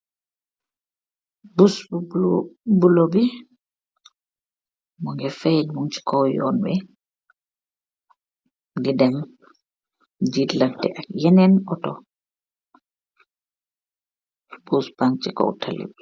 Bus bo bulo bu bulo bi moge feen mung si kaw yonn bi di dem jetlanteh ak yenen oto bus mang si kawtalibi.